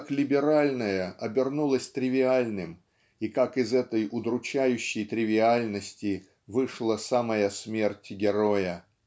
как либеральное обернулось тривиальным и как из этой удручающей тривиальности вышла самая смерть героя